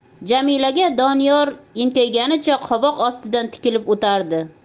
jamilaga doniyor enkayganicha qovoq ostidan tikilib o'tardi